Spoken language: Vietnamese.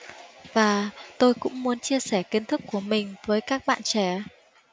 và tôi cũng muốn chia sẻ kiến thức của mình với các bạn trẻ